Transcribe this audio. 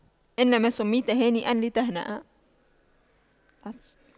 إنما سُمِّيتَ هانئاً لتهنأ